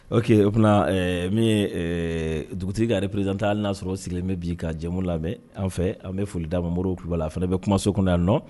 OK o tuma min ye dugutigi ka représentant hali n'a y'a sɔrɔ u sigilen bɛ bi ka jɛmu lamɛn an fɛ an bɛ foli d'a ma Moribo kulubali a fana bɛ kumaso kɔnɔ yan nɔ.